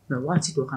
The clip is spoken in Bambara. Mɛ waati' kan na